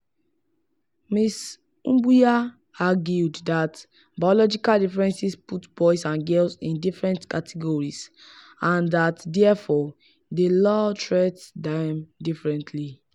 Ms. Mbuya argued that biological differences put boys and girls in "different categories" and that therefore, the law treats them differently.